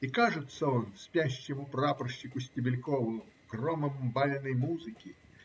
И кажется он спящему прапорщику Стебелькову громом бальной музыки